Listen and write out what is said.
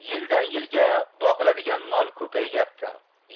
yildan yilga boqiladigan mol ko'payyapti